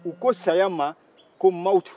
u ko sayama ko mawtu